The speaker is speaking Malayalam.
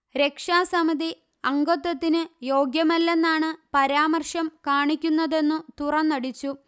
രക്ഷാസമിതി അംഗത്വത്തിനു യോഗ്യമല്ലെന്നാണ് പരാമർശം കാണിക്കുന്നതെന്നു തുറന്നടിച്ചു